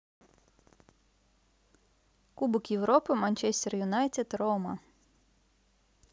кубок европы манчестер юнайтед рома